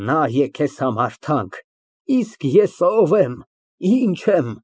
Նա է քեզ համար թանկ, իսկ ես ո՞վ եմ, ի՞նչ եմ։